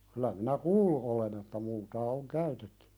kyllä minä kuullut olen että multaa on käytetty